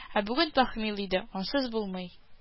Ә бүген пахмил инде, ансыз булмый